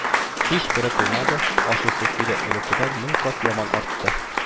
Һичбере туймады, ашыйсы килү элеккедән мең кат яман артты